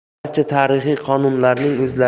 barcha tarixiy qonunlarning